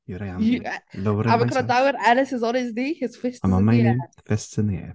Here I am lowering myself... am y grandawyr Ellis is on his knee, his fist is in the air... I'm on my knee, fist's in the air.